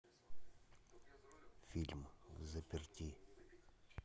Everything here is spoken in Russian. фильм взаперти